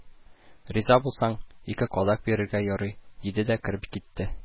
Риза булсаң, ике кадак бирергә ярый, – диде дә кереп китте